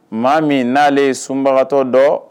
Maa min n'ale sunbagatɔ dɔ